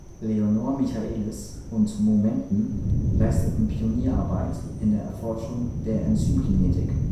Leonor Michaelis und Maud Menten leisteten Pionierarbeit in der Erforschung der Enzymkinetik